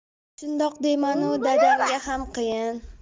shundoq deymanu dadamga ham qiyin